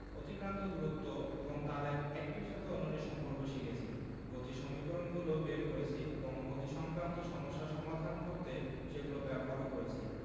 অতিক্রান্ত দূরত্ব এবং তাদের একটির সাথে অন্যটির সম্পর্ক শিখেছি গতির সমীকরণগুলো বের করেছি এবং গতিসংক্রান্ত সমস্যা সমাধান করতে সেগুলো ব্যবহারও করেছি